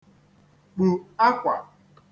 kpù akwà